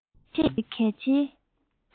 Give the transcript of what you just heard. ཆེས གལ ཆེའི